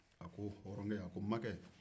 a ko hɔrɔnkɛ a ko makɛ